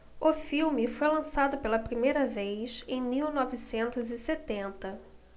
o filme foi lançado pela primeira vez em mil novecentos e setenta